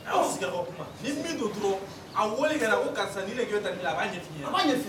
A y'aw sigi a ka kuma ni min don dɔrnw a weele ka na o karisa ni de bɛ tan a b'a ɲɛ f'i ye.